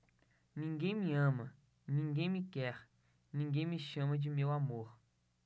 ninguém me ama ninguém me quer ninguém me chama de meu amor